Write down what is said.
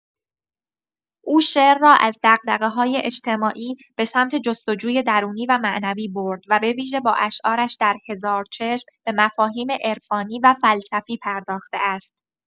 او شعر را از دغدغه‌های اجتماعی به سمت جست‌وجوی درونی و معنوی برد و به‌ویژه با اشعارش در «هزار چشم» به مفاهیم عرفانی و فلسفی پرداخته است.